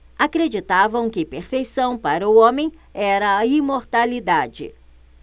acreditavam que perfeição para o homem era a imortalidade